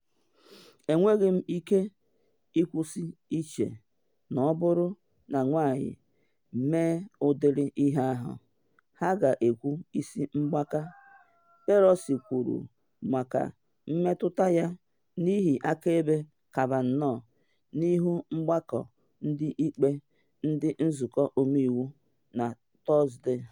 “Enwenwughi m ike ịkwụsị ịche na ọ bụrụ na nwanyị mee ụdịrị ihe ahụ, ha ga-ekwu ‘isi mgbaka,”” Pelosi kwuru maka mmetụta ya n’ihe akaebe Kavanaugh n’ihu Ọgbakọ Ndị Ikpe nke Nzụkọ Ọmeiwu na Tọsde.